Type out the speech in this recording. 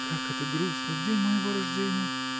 Как это грустно — в день моего рождения!